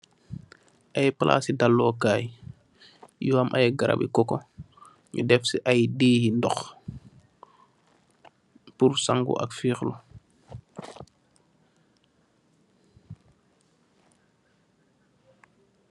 Ay balasi dalu Kai, yu am ay garabi koko , ñu def ci ay deh yi dox purr sangu ak feexlu.